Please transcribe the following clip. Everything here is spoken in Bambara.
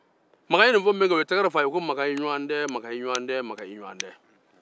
makan ye ni fo min kɛ u ye tɛgɛrɛ fɔ a yek o makan i ɲɔgɔn tɛ